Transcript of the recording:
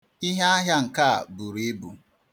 Iheahịa nke a buru ibu.